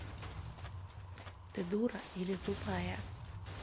ты дура или тупая